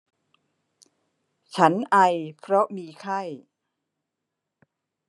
ฉันไอเพราะมีไข้